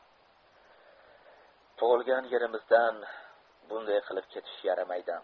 tug'ilgan yerimizdan bunday qilib ketish yaramaydi